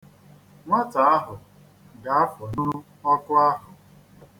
Nwata ahụ ga-afụnyụ ọkụ ahụ.